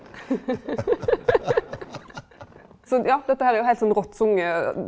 så ja dette her er jo heilt sånn rått sunge .